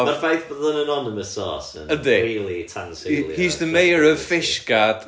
ma'r ffaith bod yn anonymous source yn ... yndy... rili tanseilio... "he he's the mayor of Fishguard"